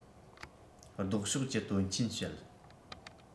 ལྡོག ཕྱོགས ཀྱི དོན རྐྱེན བཤད